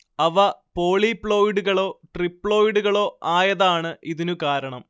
അവ പോളിപ്ലോയിഡുകളോ ട്രിപ്ലോയിടുകളോ ആയതാണ് ഇതിനു കാരണം